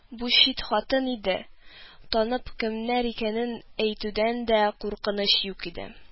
Бу чит хатын иде, танып кемнәр икәнен әйтүдән дә куркыныч юк иде